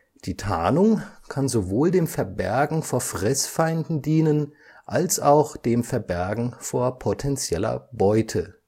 Die Tarnung kann sowohl dem Verbergen vor Fressfeinden dienen als auch dem Verbergen vor potenzieller Beute